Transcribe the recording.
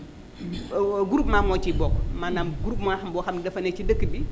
groupement moo ciy bokk maanaam groupement boo xam ni dafa ne ci dëkk bi